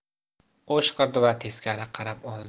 o'shqirdi va teskari qarab oldi